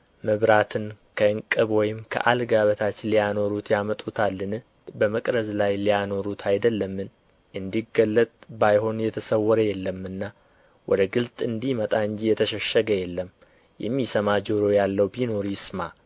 መብራትን ከዕንቅብ ወይስ ከአልጋ በታች ሊያኖሩት ያመጡታልን በመቅረዝ ላይ ሊያኖሩት አይደለምን እንዲገለጥ ባይሆን የተሰወረ የለምና ወደ ግልጥ እንዲመጣ እንጂ የተሸሸገ የለም የሚሰማ ጆሮ ያለው ቢኖር ይስማ